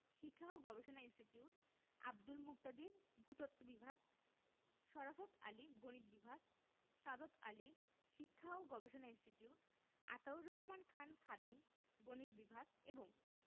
শিক্ষা ও গবেষণা ইনস্টিটিউট আব্দুল মুকতাদির ভূ তত্ত্ব বিভাগ শরাফৎ আলী গণিত বিভাগ সাদত আলী শিক্ষা ও গবেষণা ইনস্টিটিউট আতাউর রহমান খান খাদিম গণিত বিভাগ এবং